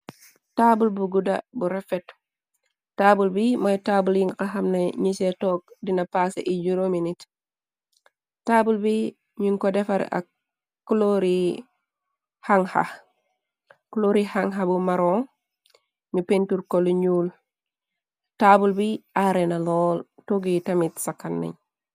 Taabul bu gudda bu refetu taabul bi mooy taabul yi ngaxamna ñi se toog dina paase i juroomi nit taabul bi ñuñ ko defare ak clori hana bu maron ñu pintur ko lu ñjuul taabul bi aarena lool togi tamit ca kannañ.